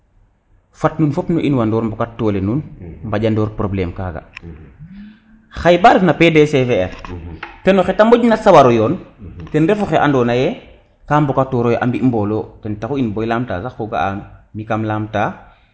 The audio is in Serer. fat nuun fop nu in wa ndoor mbokat dole nuun mbaƴa ndoor probleme kaga xaye ba ref na PDCVR ten o xete moƴna sawaro yoon ten refu oxe ando naye ka mbokatoroyo a mbi mbolo ten taxu in bo i lam ta sax ko ga'a mi kam lamta